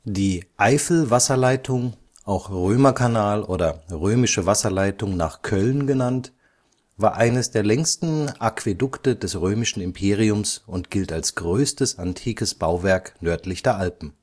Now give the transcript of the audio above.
Die Eifelwasserleitung – auch Römerkanal oder Römische Wasserleitung nach Köln genannt – war eines der längsten Aquädukte des römischen Imperiums und gilt als größtes antikes Bauwerk nördlich der Alpen